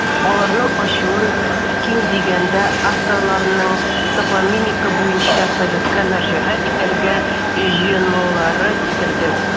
Аларның ачуын, ким дигәндә, авторларның топонимика буенча советка мөрәҗәгать итәргә җыенмаулары китерде.